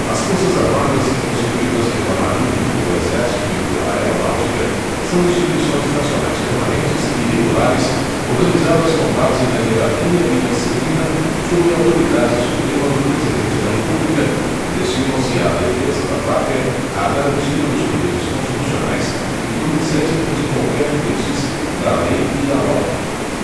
as forças armadas constituídas pela marinha pelo exército e pela aeronáutica são instituições nacionais permanentes e regulares organizadas com base na hierarquia e na disciplina sob a autoridade suprema do presidente da república e destinam se à defesa da pátria à garantia dos poderes constitucionais e por iniciativa de qualquer destes da lei e da ordem